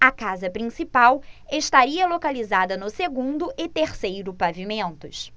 a casa principal estaria localizada no segundo e terceiro pavimentos